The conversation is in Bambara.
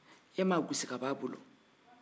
e m'a gosi ka bɛ a bolo